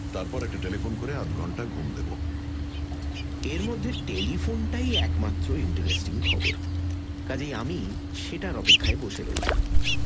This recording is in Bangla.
তারপর একটা টেলিফোন করে আধঘণ্টা ঘুম দেব এর মধ্যে টেলিফোনটাই একমাত্র ইন্টারেস্টিং খবর কাজেই আমি সেটার অপেক্ষায় বসে রইলাম